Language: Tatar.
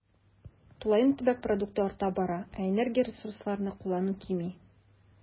Тулаем төбәк продукты арта бара, ә энергия, ресурсларны куллану кими.